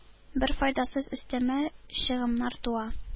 Бер файдасыз өстәмә чыгымнар туа,